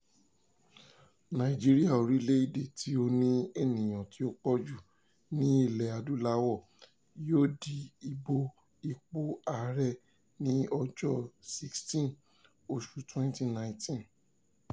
Nàìjíríà, orílẹ̀-èdè tí ó ní ènìyàn tí ó pọ̀ jù ní Ilẹ̀-Adúláwọ̀, yóò di ìbò ipò ààrẹ ní ọjọ́ 16, oṣù 2019.